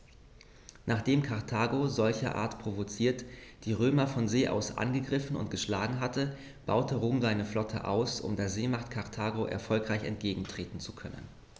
Nachdem Karthago, solcherart provoziert, die Römer von See aus angegriffen und geschlagen hatte, baute Rom seine Flotte aus, um der Seemacht Karthago erfolgreich entgegentreten zu können.